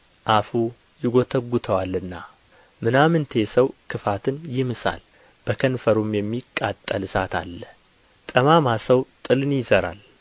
አፉ ይጐተጕተዋልና ምናምንቴ ሰው ክፋትን ይምሳል በከንፈሩም የሚቃጠል እሳት አለ ጠማማ ሰው ጥልን ይዘራል